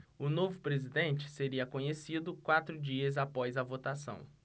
o novo presidente seria conhecido quatro dias após a votação